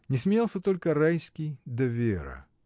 Не смеялся только Райский, да Вера.